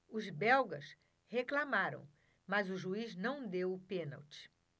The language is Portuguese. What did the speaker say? os belgas reclamaram mas o juiz não deu o pênalti